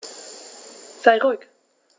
Sei ruhig.